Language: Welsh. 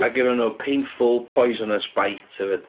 A gennyn nhw painful, poisonous bite hefyd.